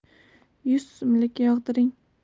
yuz so'mlik yog'diring